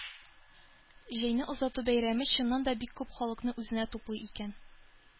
Җәйне озату бәйрәме, чыннан да, бик күп халыкны үзенә туплый икән.